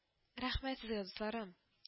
— рәхмәт сезгә, дусларым…